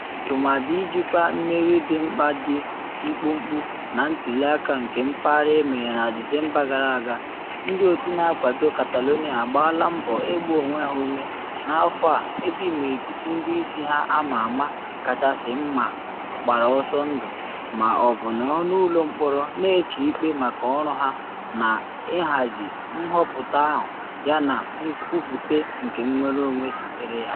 Tụmadị ijikwa mmeri dị mkpa dị mkpụmkpụ na ntuli aka nke mpaghara e mere na Disemba gara aga, ndị otu na-akwado Catalonia agbaala mbọ ịgba onwe ha ume n’afọ a ebe imirikiri ndị isi ha ama ama kachasị mma gbara ọsọ ndụ ma ọ bụ nọrọ n’ụlọ mkpọrọ na-eche ikpe maka ọrụ ha na ịhazi nhọpụta ahụ yana nkwupute nke nnwere onwe sotere ya.